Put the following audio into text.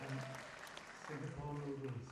Yym Singapore noodles.